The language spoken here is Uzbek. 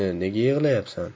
nega yig'laysan